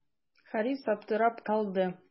Харис аптырап калды.